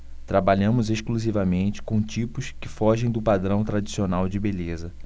trabalhamos exclusivamente com tipos que fogem do padrão tradicional de beleza